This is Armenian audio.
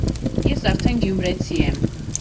Ես արդեն գյումրեցի եմ։